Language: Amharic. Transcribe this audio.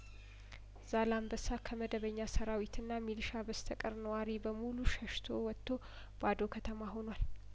ዛላንበሳ ከመደበኛ ሰራዊትና ሚሊሺያ በስተቀር ነዋሪ በሙሉ ሸሽቶ ወጥቶ ባዶ ከተማ ሆኗል